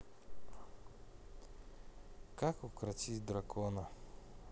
как укротить дракона